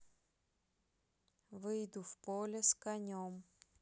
выйду в поле с конем